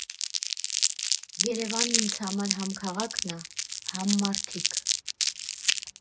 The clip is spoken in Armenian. Երևանն ինձ համար համ քաղաքն ա, համ մարդիկ։